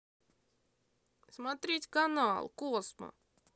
смотреть канал космо